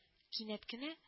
Кинәт кенә